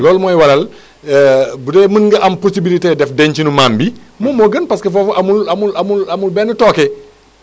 loolu mooy waral bu dee mën nga am possibilité def dencinu maam bi moom moo gën parce que foofu amul amul amul amul benn tooke